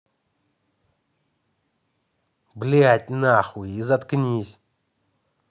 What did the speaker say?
блядь нахуй и заткнись